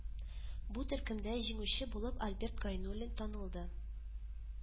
Бу төркемдә җиңүче булып Альберт Гайнуллин танылды